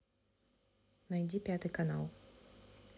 найди пятый канал